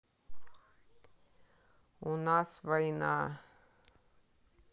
у нас война